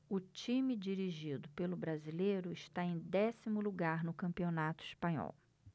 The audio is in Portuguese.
o time dirigido pelo brasileiro está em décimo lugar no campeonato espanhol